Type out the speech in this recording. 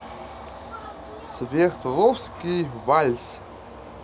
свердловский вальс